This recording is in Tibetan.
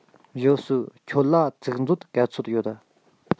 ཞའོ སུའུ ཁྱོད ལ ཚིག མཛོད ག ཚོད ཡོད